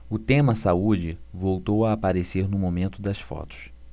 o tema saúde voltou a aparecer no momento das fotos